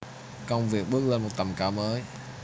công việc bước lên một tầm cao mới